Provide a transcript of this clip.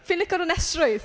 Fi'n lico'r onestrwydd.